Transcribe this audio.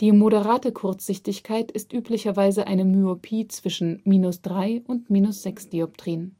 moderate Kurzsichtigkeit ist üblicherweise eine Myopie zwischen −3,00 und −6,00 dpt.